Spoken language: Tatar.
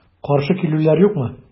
Каршы килүләр юкмы?